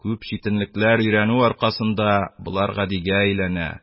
Күп читенлекләр өйрәнү аркасында гадигә әйләнә.